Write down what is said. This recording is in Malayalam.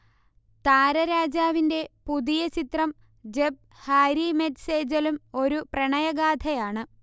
താരരാജാവിന്റെ പുതിയ ചിത്രം 'ജബ് ഹാരി മെറ്റ് സേജലും' ഒരു പ്രണയഗാഥയാണ്